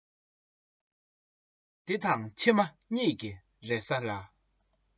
འདི དང ཕྱི མ གཉིས ཀྱི རེ ས ལ